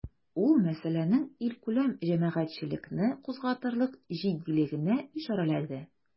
Ул мәсьәләнең илкүләм җәмәгатьчелекне кузгатырлык җитдилегенә ишарәләде.